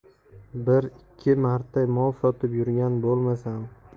bir ikki marta mol sotib yurgan bo'lmasam